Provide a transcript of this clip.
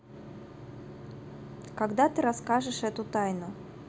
когда ты расскажешь эту тайну